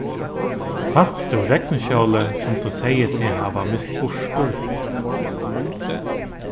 fanst tú regnskjólið sum tú segði teg hava mist burtur